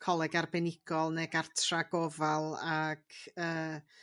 coleg arbenigol ne' gartra gofal ac yy